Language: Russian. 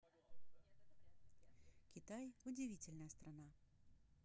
китай удивительная страна